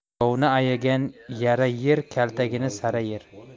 yovni ayagan yara yer kaltagini sara yer